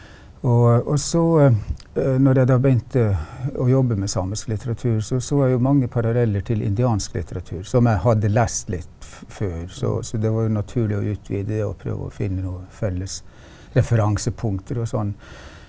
og og så når jeg da begynte å jobbe med samisk litteratur så så jeg jo mange paralleller til indiansk litteratur som jeg hadde lest litt før så så det var jo naturlig å utvide det å prøve å finne noen felles referansepunkter og sånn.